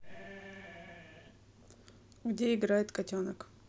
где играет котенок